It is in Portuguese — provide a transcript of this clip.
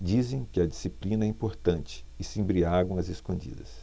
dizem que a disciplina é importante e se embriagam às escondidas